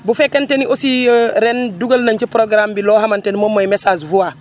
bu fekkente ni aussi ren dugal nañ ci programme bi loo xamante ni moom mooy message voix